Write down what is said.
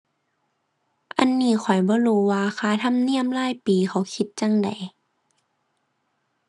อันนี้ข้อยบ่รู้ว่าค่าธรรมเนียมรายปีเขาคิดจั่งใด